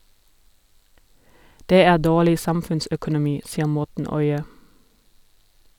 Det er dårlig samfunnsøkonomi, sier Morten Øye.